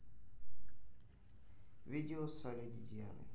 видео со леди дианы